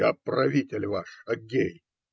Я правитель ваш, Аггей.